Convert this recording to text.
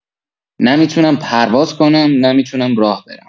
نه می‌تونم پرواز کنم، نه می‌تونم راه برم.